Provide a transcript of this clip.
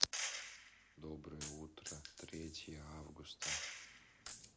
доброе утро третье августа